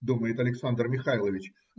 - думает Александр Михайлович.